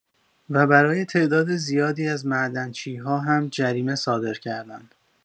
و برای تعداد زیادی از معدنچی‌ها هم جریمه صادر کردند.